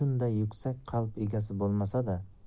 yuksak qalb egasi bo'lmasada